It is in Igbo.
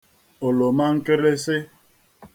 òlòma nkịrịsị